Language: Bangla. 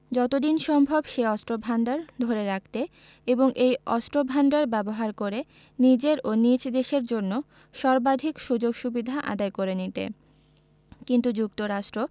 যত দিন সম্ভব সে অস্ত্রভান্ডার ধরে রাখতে এবং এই অস্ত্রভান্ডার ব্যবহার করে নিজের ও নিজ দেশের জন্য সর্বাধিক সুযোগ সুবিধা আদায় করে নিতেকিন্তু যুক্তরাষ্ট্র